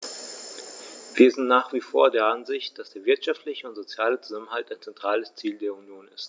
Wir sind nach wie vor der Ansicht, dass der wirtschaftliche und soziale Zusammenhalt ein zentrales Ziel der Union ist.